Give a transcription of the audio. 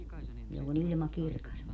jolloin ilma kirkas on